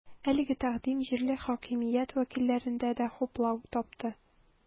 Әлеге тәкъдим җирле хакимият вәкилләрендә дә хуплау тапты.